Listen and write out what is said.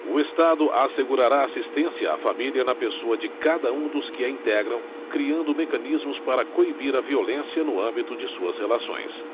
o estado assegurará a assistência à família na pessoa de cada um dos que a integram criando mecanismos para coibir a violência no âmbito de suas relações